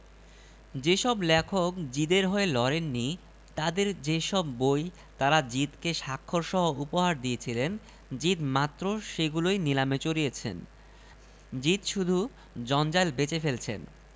কোথায় দাঁড়িয়ে বলছে লোকটা এ কথা ফুটবল মাঠের সামনে দাঁড়িয়ে না সিনেমার টিকিট কাটার কিউ থেকে থাক্ থাক্ আমাকে খামাখা চটাবেন না বৃষ্টির দিন খুশ গল্প লিখব বলে কলম ধরেছিলুম